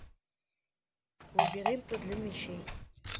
лабиринты для мечей